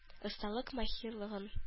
Осталык-маһирлыгын